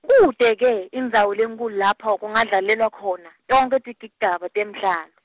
Kute-ke, indzawo lenkhulu lapho kungadlalelwa khona, tonkhe tigigaba temdlalo.